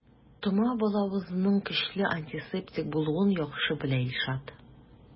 Тома балавызның көчле антисептик булуын яхшы белә Илшат.